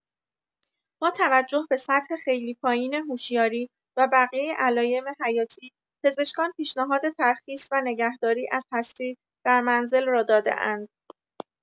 با توجه به سطح خیلی پایین هوشیاری و بقیه علایم حیاتی، پزشکان پیشنهاد ترخیص و نگه‌داری از هستی در منزل را داده‌اند.